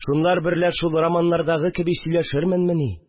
Шунлар берлә шул романнардагы кеби сөйләшерменмени